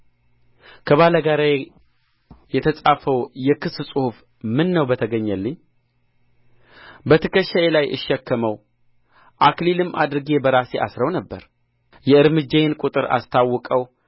ከባላጋራዬ የተጻፈው የክስ ጽሑፍ ምነው በተገኘልኝ በትከሻዬ ላይ እሸከመው አክሊልም አድርጌ በራሴ አስረው ነበር የእርምጃዬን ቍጥር አስታውቀው